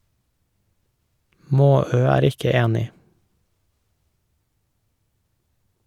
Maaø er ikke enig.